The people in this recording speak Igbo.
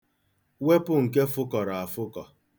Wepụ nke fụkọrọ afụkọ.